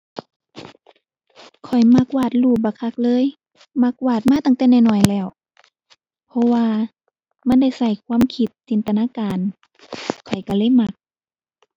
ข้อยมักวาดรูปบักคักเลย มักวาดมาตั้งแต่น้อยน้อยแล้ว เพราะว่ามันได้ใช้ความคิด จินตนาการ ข้อยใช้เลยมัก